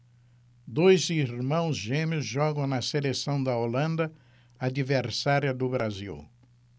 dois irmãos gêmeos jogam na seleção da holanda adversária do brasil